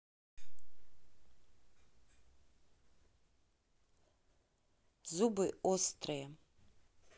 зубы острые